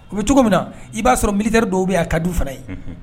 U bɛ cogo min na i b'a sɔrɔ mi dɔw bɛ a kadi fana ye